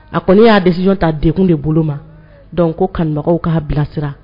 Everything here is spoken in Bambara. A kɔni y'a décision ta dekun de kama donc ko kanubagaw k'a bilasira